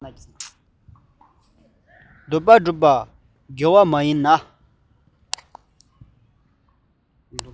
འདོད པ སྒྲུབ པ དགེ བ མ ཡིན ན